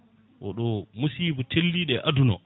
oɗo musiba telliɗo e aduna o